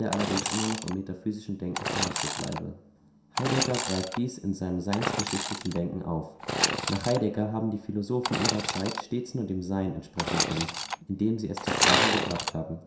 allerdings immer noch im metaphysischen Denken verhaftet bleibe. Heidegger greift dies in seinem seinsgeschichtlichen Denken auf. Nach Heidegger haben die Philosophen ihrer Zeit stets nur dem Sein „ entsprechen “können, indem sie es zur Sprache gebracht haben